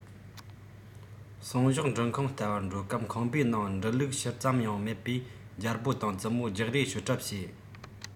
སང ཞོགས འབྲུ ཁང བལྟ བར འགྲོ སྐབས ཁང པའི ནང འབྲུ བླུགས ཤུལ ཙམ ཡང མེད པས རྒྱལ པོ དང བཙུན མོ རྒྱག རེས ཤོར གྲབས བྱས